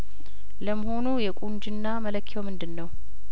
ለመሆኑ የቁንጅና መለኪያውምንድነው